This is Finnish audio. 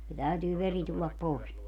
se täytyy veri tulla pois